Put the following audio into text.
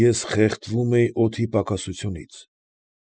Ես խեղդվում էի օդի պակասությունից։